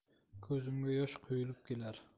ko'zimga yosh quyilib kelar